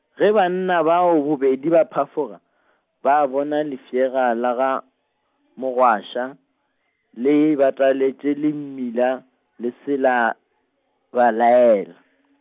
ge banna bao bobedi ba phafoga , ba bona lefšega la ga , Mogwaša, le bataletše le mmila le se la, ba laele.